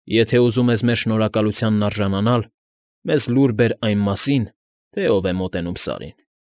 Եթե ուզում ես մեր շնորհակալությանն արժանանալ, մեզ լուր բեր այն մասին, թե ով է մոտենում Սարին։